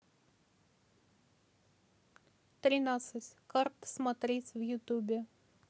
тринадцать карт смотреть в ютубе